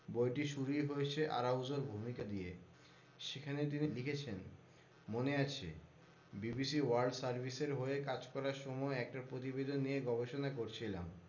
বইটি শুরুই হয়েছে আরাউজোর ভূমিকা দিয়ে সেখানে তিনি লিখেছেন মনে আছে বিবিসি ওয়ার্ল্ড সার্ভিসের হয়ে কাজ করার সময় একটা প্রতিবেদন নিয়ে গবেষণা করছিলাম